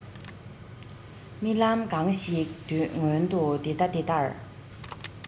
རྨི ལམ གང ཞིག མངོན དུ དེ ལྟ དེ ལྟར